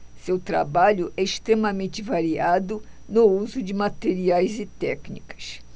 seu trabalho é extremamente variado no uso de materiais e técnicas